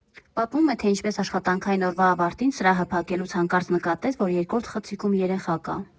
Պատմում է, թե ինչպես աշխատանքային օրվա ավարտին՝ սրահը փակելուց հանկարծ նկատեց, որ երկրորդ խցիկում երեխա կա։